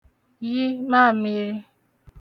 yị maāmị̄rị̄